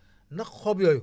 ndax xob yooyu